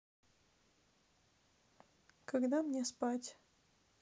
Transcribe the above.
когда мне спать